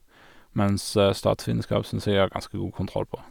Mens statsvitenskap syns jeg jeg har ganske god kontroll på.